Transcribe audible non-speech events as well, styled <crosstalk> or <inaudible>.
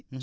<hesitation> <hesitation>